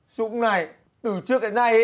dũng này từ trước đến nay